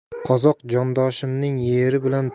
qozoq jondoshimning yeri bilan